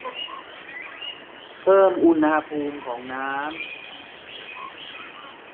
เพิ่มอุณหภูมิของน้ำ